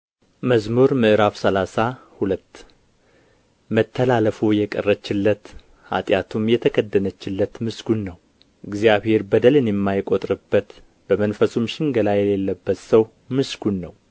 መዝሙር ምዕራፍ ሰላሳ ሁለት መተላለፉ የቀረችለት ኃጢአቱም የተከደነችለት ምስጉን ነው እግዚአብሔር በደልን የማይቈጥርበት በመንፈሱም ሽንገላ የሌለበት ሰው ምስጉን ነው